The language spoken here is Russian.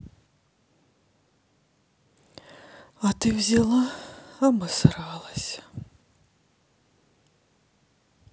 а ты взяла обосралась